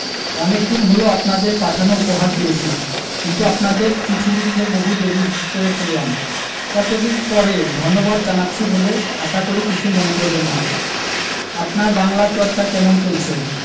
অনেকদিন হল আপনাদের পাঠানো উপহার পেয়েছি কিন্তু আপনাদের চিঠি লিখতে বহু দেরী করে ফেললাম এতদিন পরে ধন্যবাদ জানাচ্ছি বলে আশা করি কিছু মনে করবেন না আপনার বাংলা চর্চা কেমন চলছে